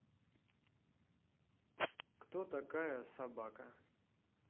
кто такая собака